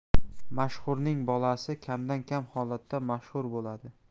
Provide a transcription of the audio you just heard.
mashhurning bolasi kamdan kam holatda mashhur bo'ladi